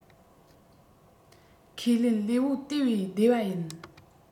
ཁས ལེན ལུས པོ དེ བས བདེ བ ཡིན